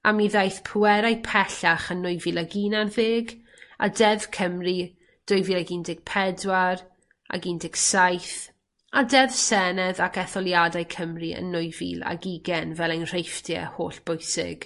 A mi ddaeth pwerau pellach yn nwy fil ag un ar ddeg a Deddf Cymru dwy fil ag un deg pedwar ac un deg saith, a Deddf Senedd ac Etholiadau Cymru yn nwy fil ag ugen fel enghreifftiau hollbwysig.